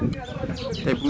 waw